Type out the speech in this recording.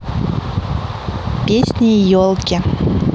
песни елки